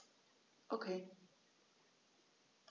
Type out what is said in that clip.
Okay.